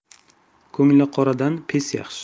ko'ngli qoradan pes yaxshi